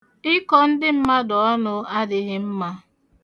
Ịkọ ndị mmadụ ọnụ adịghị mma.